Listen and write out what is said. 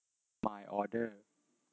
มายออเดอร์